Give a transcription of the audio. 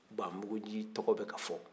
banbugunci tɔgɔ bɛ ka fɔ